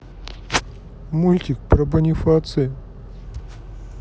мультик про бонифация